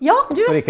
ja, du.